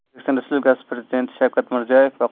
o'zbekiston respublikasi prezidenti shavkat mirziyoyev va